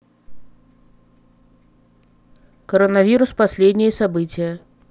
коронавирус последние события